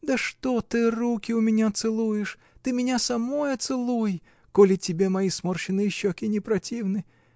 Да что ты руки у меня целуешь -- ты меня самое целуй, коли тебе мои сморщенные щеки не противны.